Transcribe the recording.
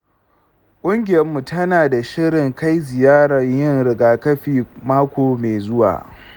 ƙungiyarmu tana da shirin kai ziyarar yin rigakafi mako mai zuwa.